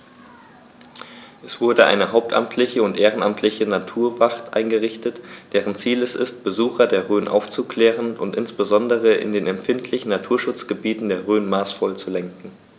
Es wurde eine hauptamtliche und ehrenamtliche Naturwacht eingerichtet, deren Ziel es ist, Besucher der Rhön aufzuklären und insbesondere in den empfindlichen Naturschutzgebieten der Rhön maßvoll zu lenken.